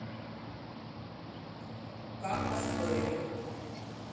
как построили